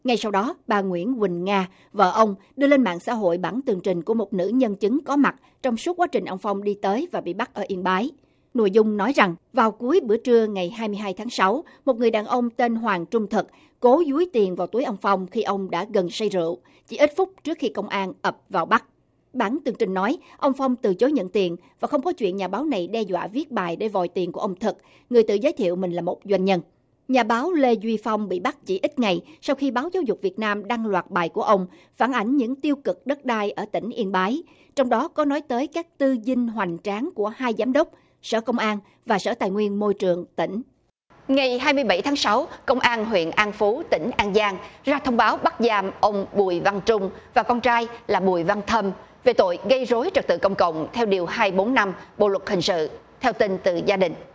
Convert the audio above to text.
ngay sau đó bà nguyễn quỳnh nga vợ ông đưa lên mạng xã hội bản tường trình của một nữ nhân chứng có mặt trong suốt quá trình ông phong đi tới và bị bắt ở yên bái nội dung nói rằng vào cuối bữa trưa ngày hai mươi hai tháng sáu một người đàn ông tên hoàng trung thực cố dúi tiền vào túi ông phong khi ông đã gần say rượu chỉ ít phút trước khi công an ập vào bắt bản tường trình nói ông phong từ chối nhận tiền và không có chuyện nhà báo này đe dọa viết bài để vòi tiền của ông thực người tự giới thiệu mình là một doanh nhân nhà báo lê duy phong bị bắt chỉ ít ngày sau khi báo giáo dục việt nam đăng loạt bài của ông phản ánh những tiêu cực đất đai ở tỉnh yên bái trong đó có nói tới các tư dinh hoành tráng của hai giám đốc sở công an và sở tài nguyên môi trường tỉnh ngày hai mươi bảy tháng sáu công an huyện an phú tỉnh an giang ra thông báo bắt giam ông bùi văn chung và con trai là bùi văn thân về tội gây rối trật tự công cộng theo điều hai bốn năm bộ luật hình sự theo tin từ gia đình